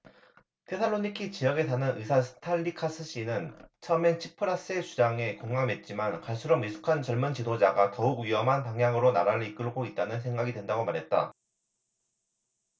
테살로니키 지역에 사는 의사 스탈리카스씨는 처음엔 치프라스의 주장에 공감했지만 갈수록 미숙한 젊은 지도자가 더욱 위험한 방향으로 나라를 이끌고 있다는 생각이 든다고 말했다